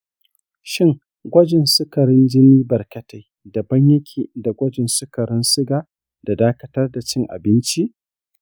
shin gwajin sukarin jini barkatai daban yake da gwajin sukarin suga na dakatar da cin abinci?